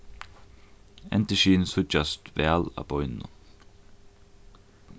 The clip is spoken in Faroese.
endurskin síggjast væl á beinunum